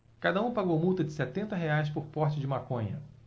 cada um pagou multa de setenta reais por porte de maconha